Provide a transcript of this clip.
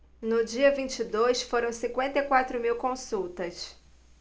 no dia vinte e dois foram cinquenta e quatro mil consultas